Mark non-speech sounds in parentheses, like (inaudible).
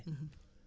(hesitation) (hesitation)